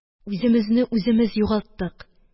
Үземезне үземез югалттык